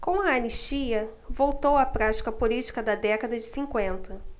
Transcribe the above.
com a anistia voltou a prática política da década de cinquenta